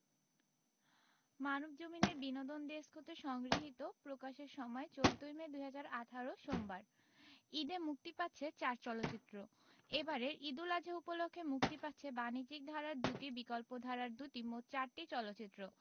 মানবজমিন এর বিনোদন ডেস্ক হতে সংগৃহীত প্রকাশের সময় ১৪ মে ২০১৮ সোমবার ঈদে মুক্তি পাচ্ছে চার চলচ্চিত্র এবারের ঈদ উল আযহা উপলক্ষে মুক্তি পাচ্ছে বাণিজ্যিক ধারার দুটি এবং বিকল্পধারার দুটি মোট চারটি চলচ্চিত্র